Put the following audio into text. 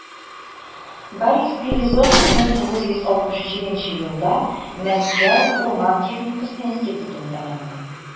Борис Березовский 1967 елда Мәскәү урман техникасы институтын тәмамлый.